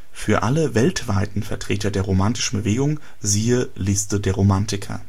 Für alle weltweiten Vertreter der romantischen Bewegung, siehe Liste der Romantiker